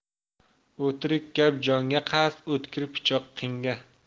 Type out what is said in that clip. o'tirik gap jonga qasd o'tkir pichoq qinga